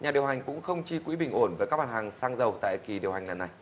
nhà điều hành cũng không chi quỹ bình ổn với các mặt hàng xăng dầu tại kỳ điều hành lần này